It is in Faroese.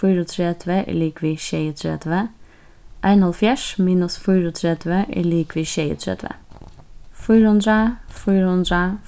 fýraogtretivu er ligvið sjeyogtretivu einoghálvfjerðs minus fýraogtretivu er ligvið sjeyogtretivu fýra hundrað fýra hundrað